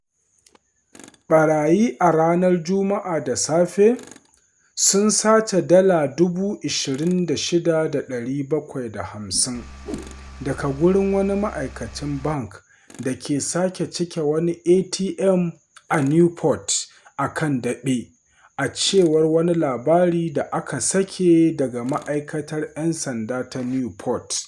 Ɓarayi a ranar Juma’a da safe sun sace dala 26,750 daga wurin wani ma’aikacin Brink da ke sake cika wani ATM a Newport a kan Daɓe, a cewar wani labari da aka sake daga Ma’aikatar ‘Yan Sanda ta Newport.